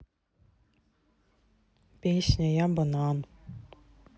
песня я банан